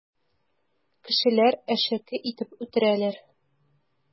Кешеләр әшәке итеп үтерәләр.